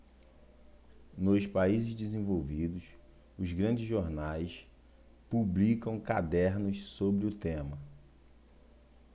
nos países desenvolvidos os grandes jornais publicam cadernos sobre o tema